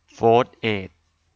โฟธเอด